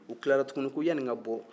u tilara tugunni ko yani n ka bɔ